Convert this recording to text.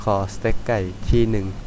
ขอสเต็กไก่ที่นึง